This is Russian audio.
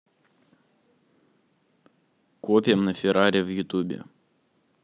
копим на феррари в ютубе